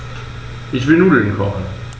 Ich will Nudeln kochen.